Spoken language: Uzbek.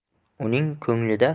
uning ko'nglida faqat